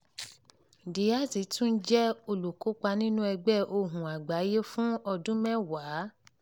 Díaz tún jẹ́ olùkópa nínú ẹgbẹ́ Ohùn Àgbáyé fún ọdún mẹ́wàá.